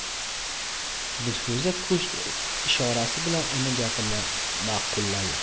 dilfuza ko'z ishorasi bilan uning gapini ma'qulladi